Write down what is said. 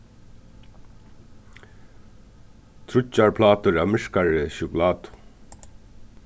tríggjar plátur av myrkari sjokulátu